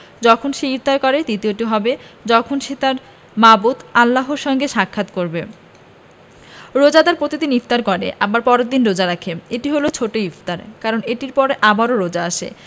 যখন সে ইফতার করে দ্বিতীয়টি হবে যখন সে তাঁর মাবুদ আল্লাহর সঙ্গে সাক্ষাৎ করবে রোজাদার প্রতিদিন ইফতার করে আবার পরের দিন রোজা রাখে এটি হলো ছোট ইফতার কারণ এটির পর আবারও রোজা আসে